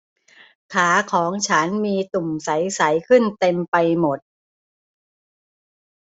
ขาของฉันมีตุ่มใสใสขึ้นเต็มไปหมด